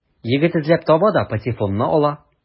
Егет эзләп таба да патефонны ала.